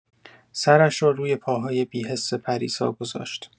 سرش را روی پاهای بی‌حس پریسا گذاشت.